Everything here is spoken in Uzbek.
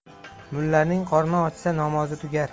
mullaning qorni ochsa nomozi tugar